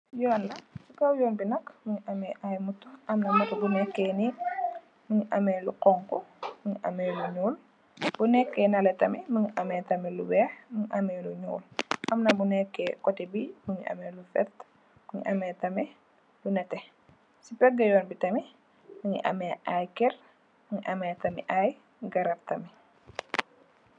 Yoon la, si kaw yoon bi nak mingi am ay moto, ame moto bu neke ni, mingi ame lu xonxu, mingi ame lu nyuul, bu neke nale tamit miingi ame tamit lu weex, mingi ame lu nyuul, amna bu neke kote bi, mingi ame lu werte, mingi ame tamit lu nete, si pegg yoon bi tamit, mingi ame ay ker, mingi ame tamit ay garab tamit.